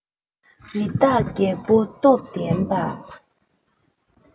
རི དྭགས རྒྱལ པོ སྟོབས ལྡན པ